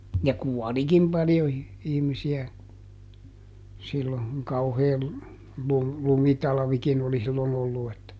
ja kuolikin paljon - ihmisiä silloin kun kauhea - lumitalvikin oli silloin ollut että